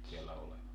siellä olevan